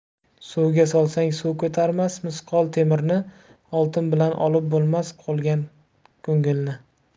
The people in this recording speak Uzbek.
suvga solsang suv ko'tarmas misqol temirni oltin bilan olib bo'lmas qolgan ko'ngilni